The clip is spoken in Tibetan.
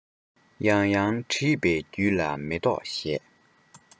ཡང ཡང འདྲིས པས རྒྱུད ལ མེ ཏོག བཞད